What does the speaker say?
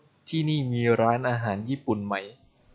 ที่นี่มีร้านอาหารญี่ปุ่นไหม